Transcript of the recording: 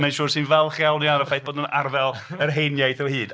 Mae'n siwr sy'n falch iawn iawn o'r ffaith bod nhw'n arddel'r hen iaith o hyd.